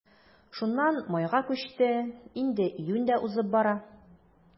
Шуннан майга күчте, инде июнь дә узып бара.